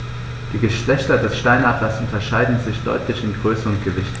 Die Geschlechter des Steinadlers unterscheiden sich deutlich in Größe und Gewicht.